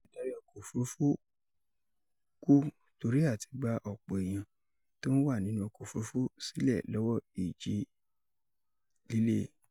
Adarí Ọkọ̀ Òfurúfú Kú Torí Àtigba Ọ̀pọ̀ Èèyàn T’ọ́n Wà Nínú Ọkọ̀-òfúrufú Sílẹ̀ Lọ́wọ́ Ìjì-ilẹ̀